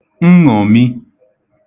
nṅòmī